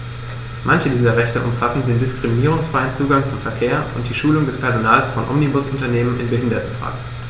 Manche dieser Rechte umfassen den diskriminierungsfreien Zugang zum Verkehr und die Schulung des Personals von Omnibusunternehmen in Behindertenfragen.